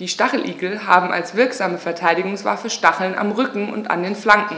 Die Stacheligel haben als wirksame Verteidigungswaffe Stacheln am Rücken und an den Flanken